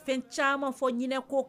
Fɛn caman fɔ ɲinin ko